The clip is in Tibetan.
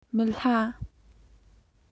མི སླ